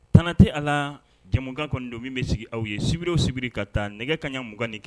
Tanana tɛ a la jamumukan kɔni don min bɛ sigi aw ye sibiriw sigibiri ka taa nɛgɛ kaɲa mugan nin kɛ